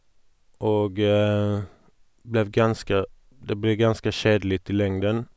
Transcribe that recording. Og ble ganske det ble ganske kjedelig i lengden.